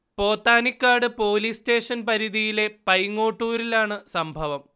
Pothanikkad police station പരിധിയിലെ പൈങ്ങോട്ടൂരിലാണ് സംഭവം